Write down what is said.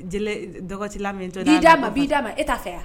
Dɔgɔ la min' di' ma''a ma e t' fɛ yan